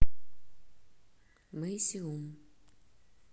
мау seum